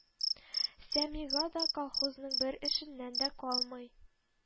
Сәмига да колхозның бер эшеннән дә калмый